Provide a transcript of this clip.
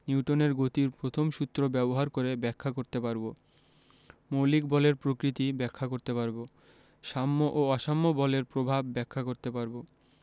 নিউটনের গতির প্রথম সূত্র ব্যবহার করে ব্যাখ্যা করতে পারব মৌলিক বলের প্রকৃতি ব্যাখ্যা করতে পারব সাম্য ও অসাম্য বলের প্রভাব ব্যাখ্যা করতে পারব